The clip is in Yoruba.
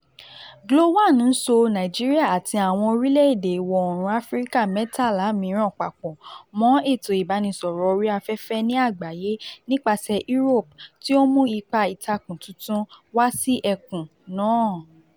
GLO-1 ń so Nigeria àti àwọn orílẹ̀-èdè Ìwọ̀-oòrùn Áfíríkà 13 mìíràn papọ̀ mọ́ ètò ìbánisọ̀rọ̀ orí afẹ́fẹ́ ní àgbáyé nípasẹ̀ Europe, tí ó ń mú ipá-ìtakùn tuntun wá sí ẹkùn náà.